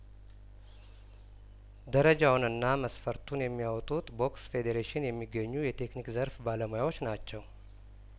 ደረጃውንና መስፈርቱን የሚያወጡት ቦክስ ፌዴሬሽን የሚገኙ የቴክኒክ ዘርፍ ባለሙያዎች ናቸው